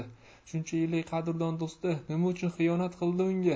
shuncha yillik qadrdon do'sti nima uchun xiyonat qildi unga